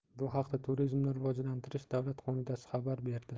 bu haqda turizmni rivojlantirish davlat qo'mitasi xabar berdi